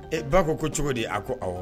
Ɛ ba ko ko cogo de a ko aw